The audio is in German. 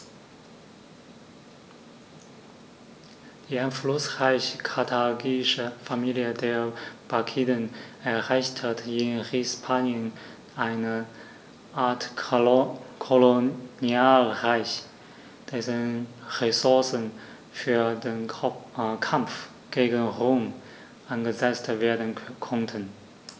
Die einflussreiche karthagische Familie der Barkiden errichtete in Hispanien eine Art Kolonialreich, dessen Ressourcen für den Kampf gegen Rom eingesetzt werden konnten.